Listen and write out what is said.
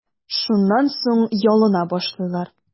Шуннан соң ялына башлыйлар.